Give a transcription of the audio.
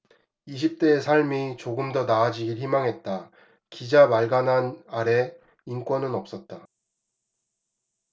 이십 대의 삶이 조금 더 나아지길 말가난 아래 인권은 없었다